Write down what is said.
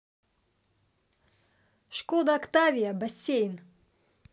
skoda octavia бассейн